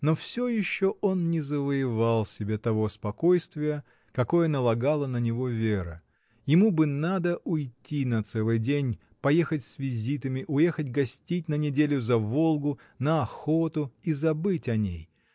Но всё еще он не завоевал себе того спокойствия, какое налагала на него Вера: ему бы надо уйти на целый день, поехать с визитами, уехать гостить на неделю за Волгу, на охоту и забыть о ней.